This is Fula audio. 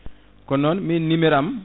ko noon min numéro am